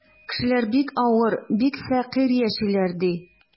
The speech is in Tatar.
Кешеләр бик авыр, бик фәкыйрь яшиләр, ди.